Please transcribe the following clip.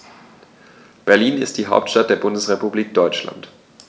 Berlin ist die Hauptstadt der Bundesrepublik Deutschland.